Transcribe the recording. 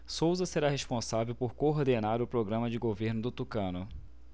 souza será responsável por coordenar o programa de governo do tucano